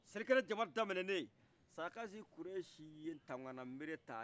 selikɛnɛjama daminɛ nen sarakasi kurɛsi ye tanganabere ta